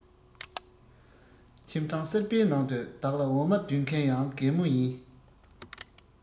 ཁྱིམ ཚང གསར བའི ནང དུ བདག ལ འོ མ ལྡུད མཁན ཡང རྒན མོ ཡིན